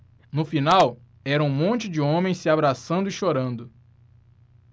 no final era um monte de homens se abraçando e chorando